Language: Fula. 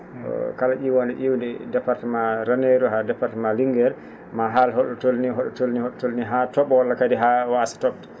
kala ?iwande ?iiwde département Ranerou haa département Linguére ma haal hol?o tolnii hol?o tolnii hol?o tolnii haa to?o walla kadi haa waasa to?de